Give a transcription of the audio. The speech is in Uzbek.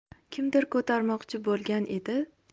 kimdir ko'tarmoqchi bo'lgan edi